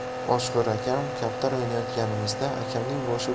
oshxo'rakam kaptar o'ynayotganimizda akamning boshi